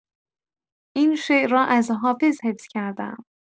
این شعر را از حافظ حفظ کرده‌ام.